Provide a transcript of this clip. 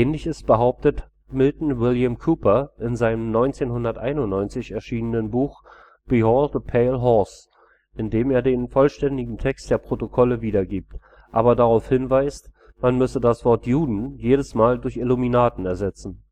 Ähnliches behauptet Milton William Cooper in seinem 1991 erschienenen Buch Behold a Pale Horse, in dem er den vollständigen Text der Protokolle wiedergibt, aber darauf hinweist, man müsse das Wort „ Juden “jedes Mal durch „ Illuminaten “ersetzen